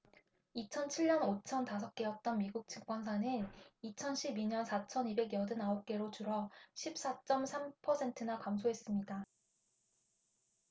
이천 칠 년 오천 다섯 개였던 미국 증권사는 이천 십 이 년 사천 이백 여든 아홉 개로 줄어 십 사 쩜 삼 퍼센트나 감소했습니다